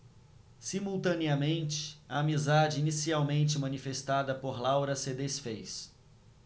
simultaneamente a amizade inicialmente manifestada por laura se disfez